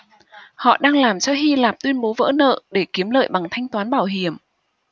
họ đang làm cho hy lạp tuyên bố vỡ nợ để kiếm lợi bằng thanh toán bảo hiểm